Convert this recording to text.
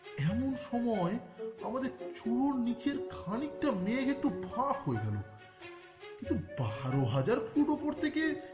এমন সময় আমাদের চুরু নিচে খানিকটা মেঘ একটু ফাক হয়ে গেল কিন্তু ১২ হাজার ফুট উপর থেকে